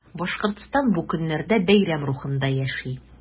Башкортстан бу көннәрдә бәйрәм рухында яши.